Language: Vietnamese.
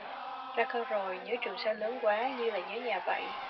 ra khơi rồi nhớ trường sa lớn quá như là nhớ nhà vậy